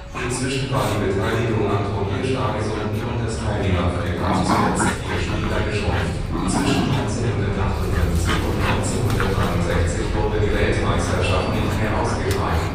Inzwischen war die Beteiligung am Turnier stark gesunken und das Teilnehmerfeld auf zuletzt vier Spieler geschrumpft. Zwischen 1958 und 1963 wurde die Weltmeisterschaft nicht mehr ausgetragen